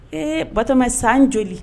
Ee batoma san joli?